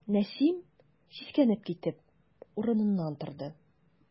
Нәсим, сискәнеп китеп, урыныннан торды.